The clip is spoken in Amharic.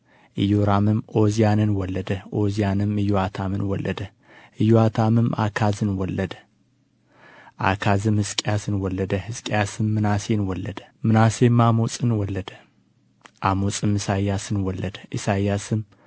ኢዮራምም ዖዝያንን ወለደ ዖዝያንም ኢዮአታምን ወለደ ኢዮአታምም አካዝን ወለደ አካዝም ሕዝቅያስን ወለደ ሕዝቅያስም ምናሴን ወለደ ምናሴም አሞፅን ወለደ አሞፅም ኢዮስያስን ወለደ ኢዮስያስም